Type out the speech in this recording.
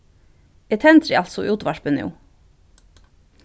eg tendri altso útvarpið nú